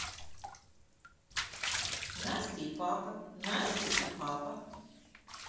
настя и папа настя и папа